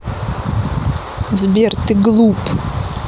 сбер ты глуп